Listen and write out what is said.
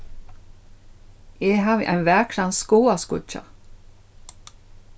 eg havi ein vakran skáaskíggja